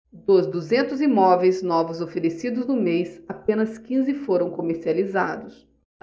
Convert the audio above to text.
dos duzentos imóveis novos oferecidos no mês apenas quinze foram comercializados